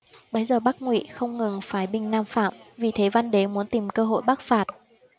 bấy giờ bắc ngụy không ngừng phái binh nam phạm vì thế văn đế muốn tìm cơ hội bắc phạt